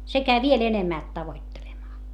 se kävi vielä enemmälti tavoittelemaan